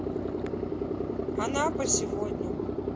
анапа сегодня